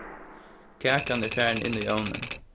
kakan er farin inn í ovnin